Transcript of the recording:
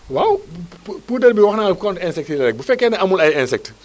waaw puudar bio wax naa la ku am insecte yi la bu fekkee ne amul ay insecte